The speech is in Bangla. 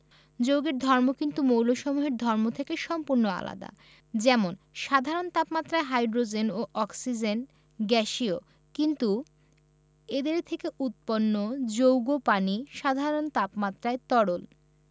যৌগের ধর্ম কিন্তু মৌলসমূহের ধর্ম থেকে সম্পূর্ণ আলাদা যেমন সাধারণ তাপমাত্রায় হাইড্রোজেন ও অক্সিজেন গ্যাসীয় কিন্তু এদের থেকে উৎপন্ন যৌগ পানি সাধারণ তাপমাত্রায় তরল